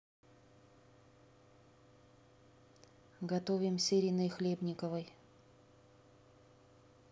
готовим с ириной хлебниковой